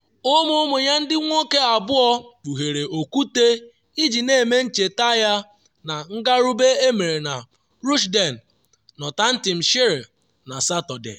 Ụmụ ụmụ ya ndị nwoke abụọ kpughere okwute iji na-eme ncheta ya na ngarube emere na Rushden, Northamptonshire, na Satọde.